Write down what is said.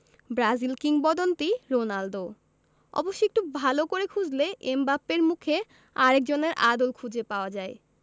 Brazil কিংবদন্তি Ronaldo অবশ্য একটু ভালো করে খুঁজলে এমবাপ্পের মুখে আরেকজনের আদল খুঁজে পাওয়া যায়